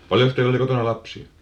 paljonko teillä oli kotona lapsia